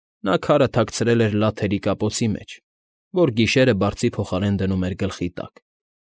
Նա քարը թաքցրել էր լաթերի կապոցի մեջ, որ գիշերը բարձի փոխարեն դնում էր գլխի տակ։